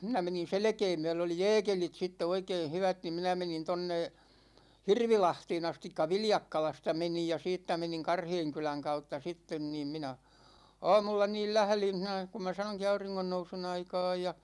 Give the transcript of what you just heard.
minä menin selkää myöden oli jääkelit sitten oikein hyvät niin minä menin tuonne Hirvilahteen asti Viljakkalasta menin ja siitä menin Karheenkylän kautta sitten niin minä aamulla niin lähdin siinä kun minä sanoinkin auringonnousun aikaan ja